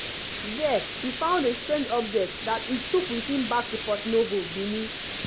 There, he found a “strange object” that he took with him back to Porto-Novo, Benin.